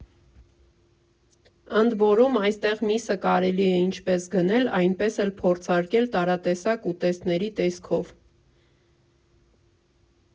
Ընդ որում, այստեղ միսը կարելի է ինչպես գնել, այնպես էլ փորձարկել տարատեսակ ուտեստների տեսքով։